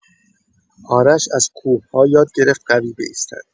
آرش از کوه‌ها یاد گرفت قوی بایستد.